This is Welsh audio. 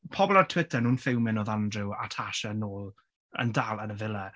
Pobl ar Twitter nhw'n fuming oedd Andrew a Tasha nôl, yn dal yn y Villa.